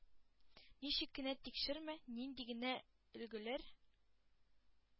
Ничек кенә тикшермә, нинди генә өлгеләр,